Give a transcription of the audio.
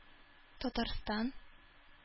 Татарстан